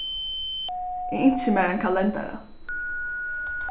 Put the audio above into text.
eg ynski mær ein kalendara